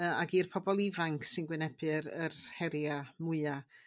yy ag i'r pobol ifanc sy'n gwynebu'r yr heria' mwya